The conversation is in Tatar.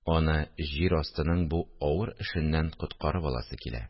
Аны җир астының бу авыр эшеннән коткарып аласы килә